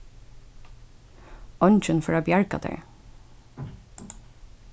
eingin fer at bjarga tær